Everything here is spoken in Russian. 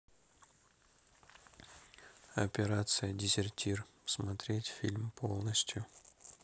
операция дезертир смотреть фильм полностью